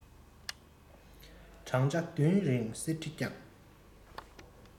བགྲང བྱ བདུན རིང གསེར ཁྲི བསྐྱངས